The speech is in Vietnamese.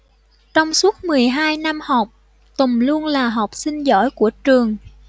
trong suốt mười hai năm học tùng luôn là học sinh giỏi của trường